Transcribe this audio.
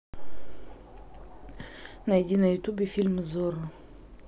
найди на ютубе фильм зорро